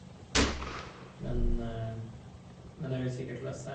men Men det vil sikkert løse seg.